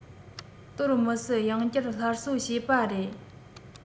གཏོར མི སྲིད ཡང བསྐྱར སླར གསོ བྱས པ རེད